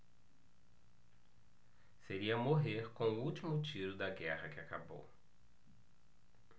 seria morrer com o último tiro da guerra que acabou